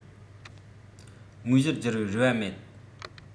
དངོས གཞིར བསྒྱུར བའི རེ བ མེད